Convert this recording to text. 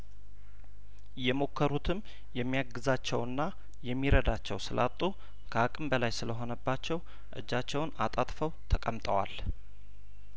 የሞከሩትም የሚያግዛቸውና የሚረዳቸው ስላጡ ከአቅም በላይ ስለሆነባቸው እጃቸውን አጣጥ ፈው ተቀምጠዋል